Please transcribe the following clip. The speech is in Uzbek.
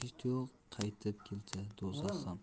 qaytib kelsa do'zax ham